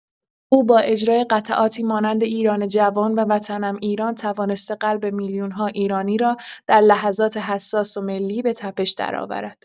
او با اجرای قطعاتی مانند ایران جوان و وطنم ایران توانسته قلب میلیون‌ها ایرانی را در لحظات حساس و ملی به تپش درآورد.